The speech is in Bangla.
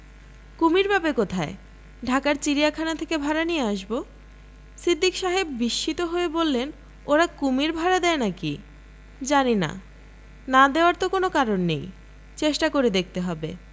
কুমীর পাবে কোথায় ঢাকার চিড়িয়াখানা থেকে ভাড়া নিয়ে আসব সিদ্দিক সাহেব বিস্মিত হয়ে বললেন 'ওরা কুমীর ভাড়া দেয় না কি জানি না না দেওয়ার তো কোন কারণ নেই চেষ্টা করে দেখতে হবে